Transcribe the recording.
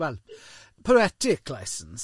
Wel, poetic license.